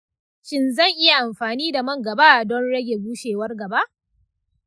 shin zan iya amfani da man gaba don rage bushewar gaba?